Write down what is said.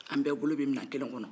an bɛɛ bolo bɛ minan kelen kɔnɔ